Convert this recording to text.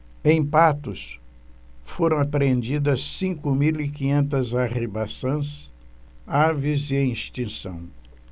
em patos foram apreendidas cinco mil e quinhentas arribaçãs aves em extinção